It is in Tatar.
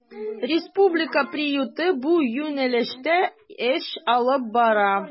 Республика приюты бу юнәлештә эш алып бара.